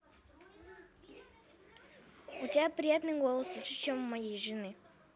у тебя приятный голос лучше чем у моей жены